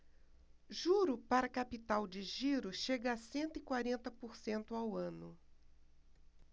juro para capital de giro chega a cento e quarenta por cento ao ano